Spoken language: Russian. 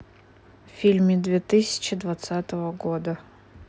фильмы две тысячи двадцатого года